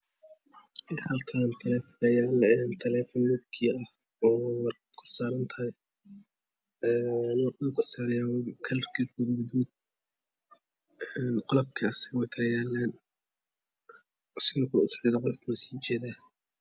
Halkaan taleefan ayaa yaala oo nokiyo ah oo kursi saaran tahay oo kalarkeedu gaduud yahay ,qolofka iyo asagu way kala yaalaan. Sido kale qolofku waa sii jeedaa.